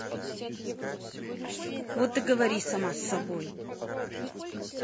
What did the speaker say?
вот и говори сам с собой